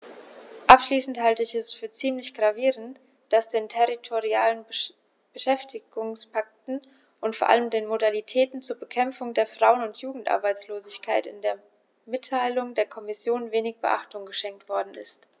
Abschließend halte ich es für ziemlich gravierend, dass den territorialen Beschäftigungspakten und vor allem den Modalitäten zur Bekämpfung der Frauen- und Jugendarbeitslosigkeit in der Mitteilung der Kommission wenig Beachtung geschenkt worden ist.